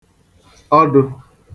ọdụ̄